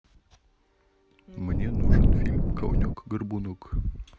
мне нужен фильм конек горбунок